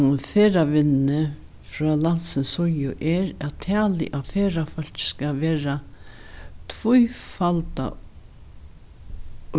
ferðavinnuni frá landsins síðu er at talið á ferðafólki skal vera tvífaldað